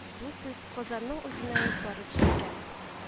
Бу сүз казанның үзенә үк барып җиткән